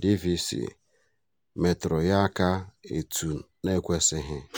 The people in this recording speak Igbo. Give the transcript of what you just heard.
(DVC) metụrụ ya aka etu na-ekwesighị: